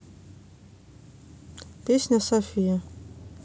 песня софия